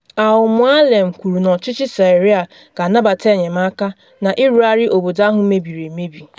Al-Moualem kwuru na ọchịchị Syria ga-anabata enyemaka na ịrụgharị obodo ahụ mebiri emebi.